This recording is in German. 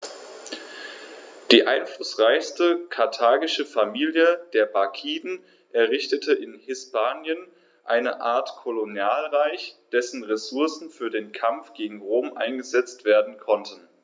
Die einflussreiche karthagische Familie der Barkiden errichtete in Hispanien eine Art Kolonialreich, dessen Ressourcen für den Kampf gegen Rom eingesetzt werden konnten.